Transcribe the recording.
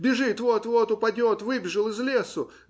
Бежит - вот-вот упадет. Выбежал из лесу